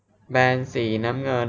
แบนสีน้ำเงิน